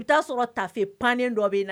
U bɛ'a sɔrɔ tafe pannen dɔ bɛ